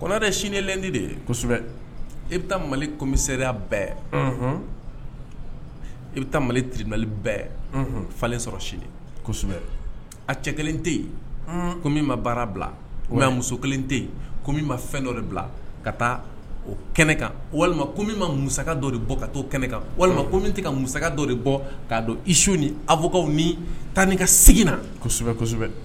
kɔnɛ sinilendi de ye kosɛbɛ e bɛ taa mali kɔmisɛya bɛɛ e bɛ taa maliriinali bɛɛ falen sɔrɔ sini kosɛbɛ a cɛ kelen tɛ yen kɔmi min ma baara bila muso kelen tɛ yen kɔmi min ma fɛn dɔ de bila ka taa o kɛnɛkan walima min ma musa dɔw de bɔ ka'o kɛnɛ kan walima ko min ka musa dɔw de bɔ k kaa dɔnsu ni abukaw ni tan ni ka seginna na kosɛbɛ